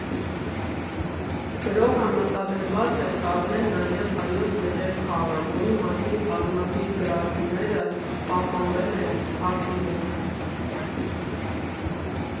Գրողը մտադրված էր կազմել նաև «Հայոց լճեր» խաղը, որի մասին բազմաթիվ գրառումները պահպանվել են արխիվում։